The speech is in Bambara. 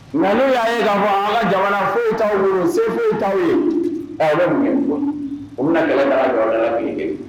Nka n'u y'a ye' fɔ ala jamana foyiw ninnu se foyi ye bɛ u bɛna kelen